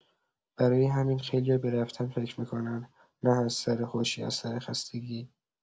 برای همین خیلیا به رفتن فکر می‌کنن، نه از سر خوشی، از سر خستگی.